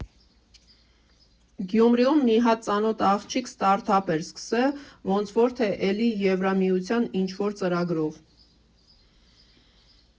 Գյումրիում մի հատ ծանոթ աղջիկ ստարտափ էր սկսել, ոնց որ թե էլի Եվրամիության ինչ֊որ ծրագրով։